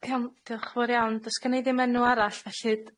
Iawn, diolch yn fowr iawn. Do's gen i ddim enw arall felly d-